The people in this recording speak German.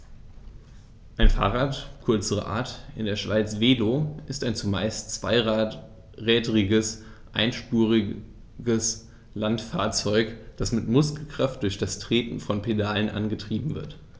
Ein Fahrrad, kurz Rad, in der Schweiz Velo, ist ein zumeist zweirädriges einspuriges Landfahrzeug, das mit Muskelkraft durch das Treten von Pedalen angetrieben wird.